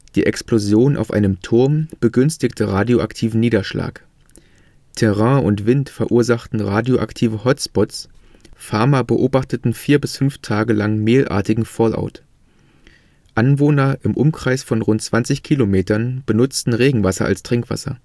Die Explosion auf einem Turm begünstigte radioaktiven Niederschlag. Terrain und Wind verursachten radioaktive „ Hot spots “. Farmer beobachteten vier bis fünf Tage lang mehlartigen Fallout. Anwohner im Umkreis von rund 20 Kilometern benutzten Regenwasser als Trinkwasser